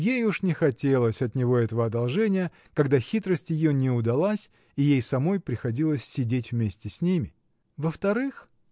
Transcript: Ей уж не хотелось от него этого одолжения, когда хитрость ее не удалась и ей самой приходилось сидеть вместе с ними. — Во-вторых.